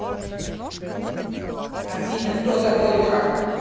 афина кто такой дурак